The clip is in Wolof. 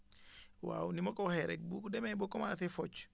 waaw ni ma ko waxee rek bu demee ba commencé focc